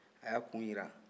a y'a kun jira